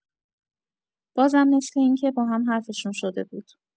بازم مثل اینکه باهم حرفشون شده بود